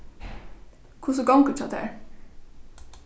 hvussu gongur hjá tær